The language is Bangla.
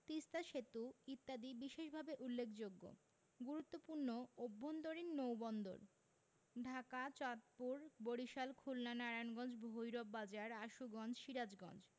তিস্তা সেতু ইত্যাদি বিশেষভাবে উল্লেখযোগ্য গুরুত্বপূর্ণ অভ্যন্তরীণ নৌবন্দরঃ ঢাকা চাঁদপুর বরিশাল খুলনা নারায়ণগঞ্জ ভৈরব বাজার আশুগঞ্জ সিরাজগঞ্জ